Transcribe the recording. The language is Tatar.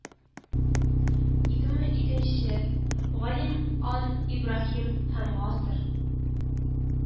Ике мең икенче, галим ан ибраһимов һәм гасыр